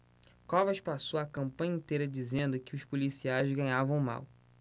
covas passou a campanha inteira dizendo que os policiais ganhavam mal